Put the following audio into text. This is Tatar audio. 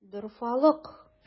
Дорфалык!